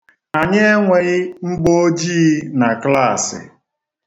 Anyị enweghị mgboojii na klaasị.